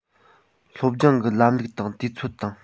སློབ སྦྱོང གི ལམ ལུགས དང དུས ཚོད དང